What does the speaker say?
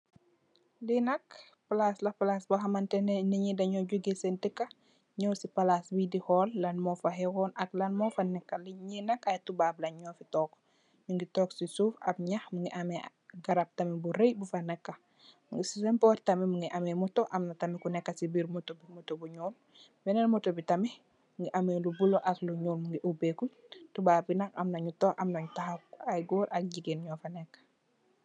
Fenag palace labuhamneh neet nge dengo jogeh sen deka dehol lan mufa hew won te ai toobab yu tuk ngu ge tuksisuf si ngeh munge am meh garab mbu reh si senborr tamit munge ameh moto but ngolu amtamit kuneh kasi motobiBeneh motobtami munge am meh lu buloo tobab yeh am you tok ak you tahaw.